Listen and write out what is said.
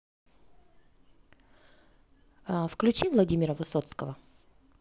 включи владимира высоцкого